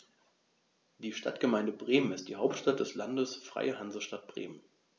Die Stadtgemeinde Bremen ist die Hauptstadt des Landes Freie Hansestadt Bremen.